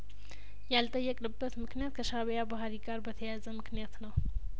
ያል ጠየቅንበት ምክንያት ከሻእቢያ ባህሪ ጋር በተያያዘ ምክንያት ነው